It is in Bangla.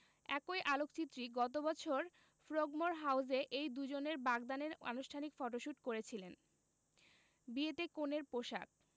একই আলোকচিত্রী গত বছর ফ্রোগমোর হাউসে এই দুজনের বাগদানের আনুষ্ঠানিক ফটোশুট করেছিলেন বিয়েতে কনের পোশাক